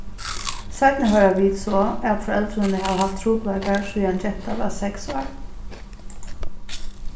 seinni hoyra vit so at foreldrini hava havt trupulleikar síðani gentan var seks ár